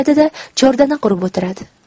chordana qurib o'tiradi